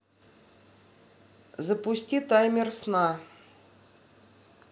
запусти таймер сна